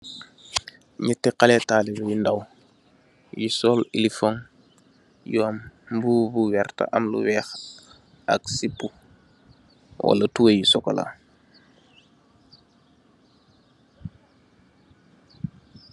Ñetti xalèh talibeh yu ndaw , yu sol ilifon yu am mbubu bu werta am lu wèèx ak zippu wala tubayi sokola.